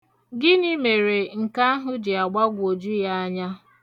Gịnị mere nke ahụ ji agbagwoju ya anya?